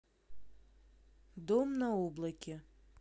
дом на облаке